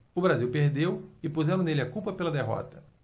o brasil perdeu e puseram nele a culpa pela derrota